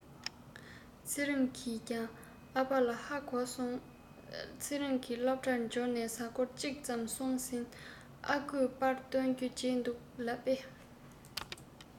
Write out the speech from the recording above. ཚེ རིང གིས ཀྱང ཨ ཕ ལ ཧ གོ སོང ཚེ རིང སློབ གྲྭར འབྱོར ནས གཟའ འཁོར གཅིག ཙམ སོང ཟིན ཨ ཁུས པར བཏོན རྒྱུ བརྗེད འདུག ལབ པས